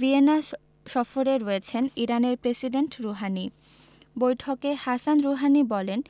Vienna সফরে রয়েছেন ইরানের প্রেসিডেন্ট রুহানি বৈঠকে হাসান রুহানি বলেন